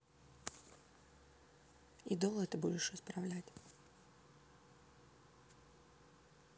и долго ты будешь исправлять